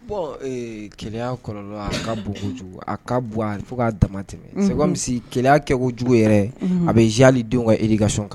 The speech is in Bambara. Bɔn keya kɔrɔ a ka bon kojugu a ka bɔ a fo k' dama tɛmɛ se misi kɛlɛya kɛko jugu yɛrɛ a bɛ zli don ka e ka sɔn kan